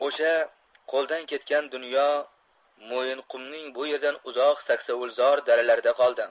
osha qo'ldan ketgan dunyo mo'yinqumning bu yerdan uzoq saksovulzor dalalarida qoldi